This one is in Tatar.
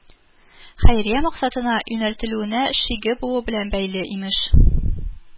Хәйрия максатына юнәлтелүенә шиге булу белән бәйле, имеш